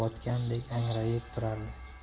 botgandek angrayib turardi